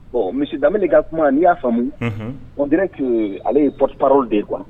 Bon monsieur Danbele ka kuma n'i n y'a faamu unhun on dirait que ale ye porte parole de ye quoi